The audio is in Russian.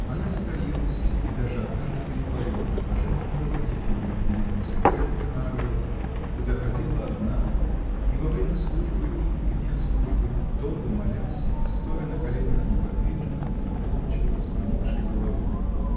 Она не таилась и даже однажды приняла его предложение проводить ее до деревенской церкви на гору, куда ходила одна, и во время службы и вне службы, долго молясь и стоя на коленях неподвижно, задумчиво, с поникшей головой.